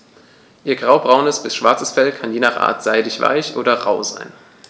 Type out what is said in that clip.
Ihr graubraunes bis schwarzes Fell kann je nach Art seidig-weich oder rau sein.